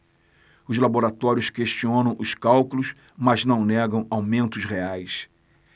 os laboratórios questionam os cálculos mas não negam aumentos reais